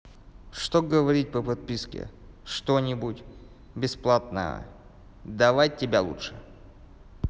что говорить по подписке что нибудь бесплатное давай тебя лучше